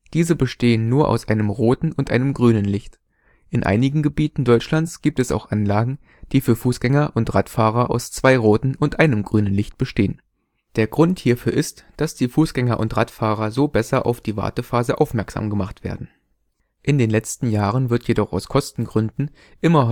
Diese bestehen nur aus einem roten und einem grünen Licht. In einigen Gebieten Deutschlands gibt es auch Anlagen, die für Fußgänger und Radfahrer aus zwei roten und einem grünen Licht bestehen. Der Grund hierfür ist, dass die Fußgänger und Radfahrer so besser auf die Wartephase aufmerksam gemacht werden. In den letzten Jahren wird jedoch aus Kostengründen immer